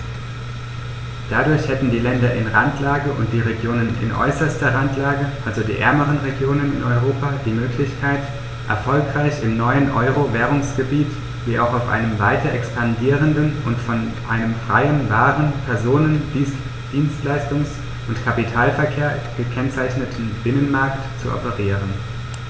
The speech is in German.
Dadurch hätten die Länder in Randlage und die Regionen in äußerster Randlage, also die ärmeren Regionen in Europa, die Möglichkeit, erfolgreich im neuen Euro-Währungsgebiet wie auch auf einem weiter expandierenden und von einem freien Waren-, Personen-, Dienstleistungs- und Kapitalverkehr gekennzeichneten Binnenmarkt zu operieren.